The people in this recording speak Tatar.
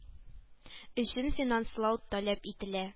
Өчен финанслау таләп ителә